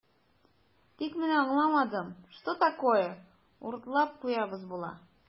Тик менә аңламадым, что такое "уртлап куябыз" була?